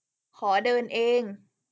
ขอเดินเอง